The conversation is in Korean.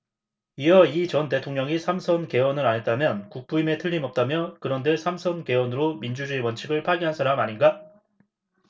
이어 이 전 대통령이 삼 선 개헌을 안했다면 국부임에 틀림없다며 그런데 삼 선 개헌으로 민주주의 원칙을 파괴한 사람 아닌가